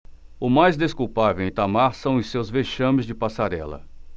o mais desculpável em itamar são os seus vexames de passarela